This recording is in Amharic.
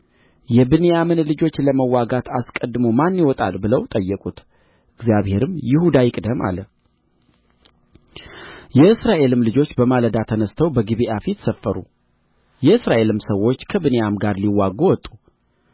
የብንያምን ልጆች ለመውጋት አስቀድሞ ማን ይውጣልን ብለው ጠየቁት እግዚአብሔርም ይሁዳ ይቅደም አለ የእስራኤልም ልጆች በማለዳ ተነሥተው በጊብዓ ፊት ሰፈሩ የእስራኤልም ሰዎች ከብንያም ጋር ሊዋጉ ወጡ